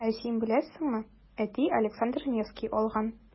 Ә син беләсеңме, әти Александр Невский алган.